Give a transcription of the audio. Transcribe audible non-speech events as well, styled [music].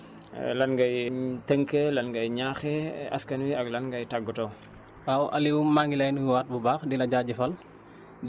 jërëjëf jërëjëf [hesitation] Fane Faye sant nañ la gërëm la [hesitation] Dia Sy [hesitation] lan ngay tënk lan ngay ñaaxee askan wi ak lan ngay tàggatoo